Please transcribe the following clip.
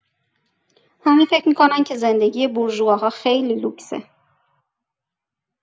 همه فکر می‌کنن که زندگی بورژواها خیلی لوکسه.